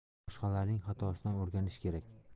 boshqalarning xatosidan o'rganish kerak